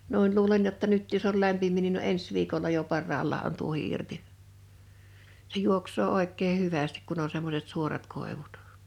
noin luulen jotta nyt jos oli lämpimiä niin ne on ensi viikolla jo parhaallaan on tuohi irti se juoksee oikein hyvästi kun on semmoiset suorat koivut